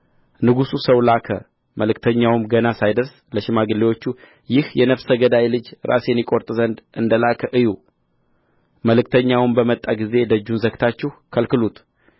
ንጉሡ ሰው ላካ መልእክተኛውም ገና ሳይደርስ ለሽማግሌዎች ይህ የነፍሰ ገዳይ ልጅ ራሴን ይቈርጥ ዘንድ እንደ ላከ እዩ መልእከተኛውም በመጣ ጊዜ ደጁን ዘግታችሁ ከልክሉት